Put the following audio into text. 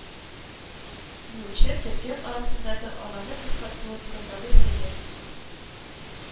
Нучы төркем арасындагы араны кыскарту турындагы сәер